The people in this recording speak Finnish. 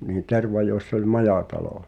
niin Tervajoissa oli majatalo